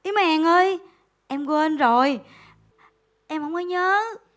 í mèn ơi em quên rồi em không có nhớ